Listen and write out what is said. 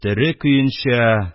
Тере көенчә